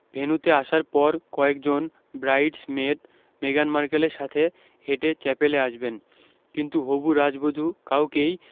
ভেন্যুতে আসার পর কয়েকজন ব্রাইডস মেড মেগান মার্কেলের সাথে হেঁটে চ্যাপেলে আসবেন কিন্তু হবু রাজবধূ কাউকেই